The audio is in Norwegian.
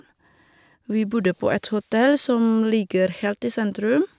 Vi bodde på et hotell som ligger helt i sentrum.